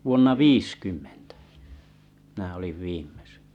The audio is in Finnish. vuonna viisikymmentä minä olin viimeksi